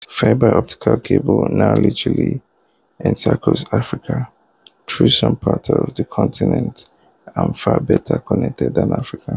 Fibre optic cables now literally encircle Africa, though some parts of the continent are far better connected than others.